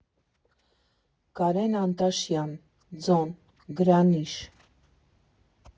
Կարեն Անտաշյան, «Դզոն», Գրանիշ։